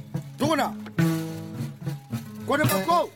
Tugu ko ma ko